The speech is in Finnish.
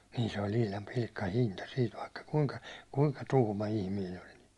niin se oli ihan pilkkahinta siitä vaikka kuinka kuinka tuhma ihminen oli niin